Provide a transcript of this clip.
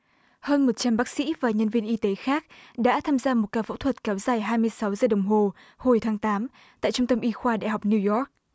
hơn một trăm bác sĩ và nhân viên y tế khác đã tham gia một ca phẫu thuật kéo dài hai mươi sáu giờ đồng hồ hồi tháng tám tại trung tâm y khoa đại học niu gioóc